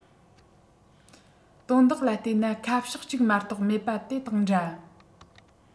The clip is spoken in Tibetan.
དོན དག ལ བལྟས ན ཁ ཕྱོགས གཅིག མ གཏོགས མེད པ དེ དང འདྲ